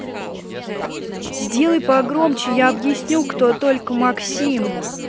сделай погромче я объясню кто только максим